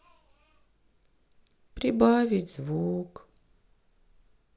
прибавить звук